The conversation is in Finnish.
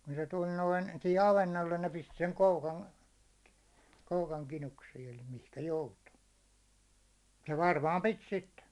kun se tuli noin siihen avannolle ne pisti sen koukan koukan kinuksiin eli mihinkä joutui ja varmaan piti sitten